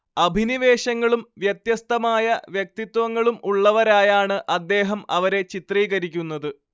അഭിനിവേശങ്ങളും വ്യത്യസ്തമായ വ്യക്തിത്വങ്ങളും ഉള്ളവരായാണ്‌ അദ്ദേഹം അവരെ ചിത്രീകരിക്കുന്നത്‌